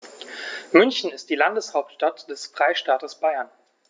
München ist die Landeshauptstadt des Freistaates Bayern.